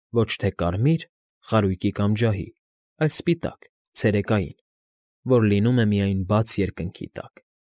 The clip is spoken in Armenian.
Ոչ թե կարմիր, խարույկի կամ ջահի, այլ սպիտակ, ցերեկային, որ լինում է միայն բաց երկնքի տակ։